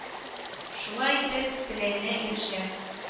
Шулай итеп теләгенә ирешә